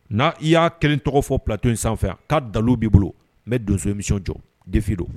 N'a i y'a 1 tɔgɔ fɔ plateau in sanfɛ yan k'a dalu b'i bolo n bɛ donso émission jɔ défis don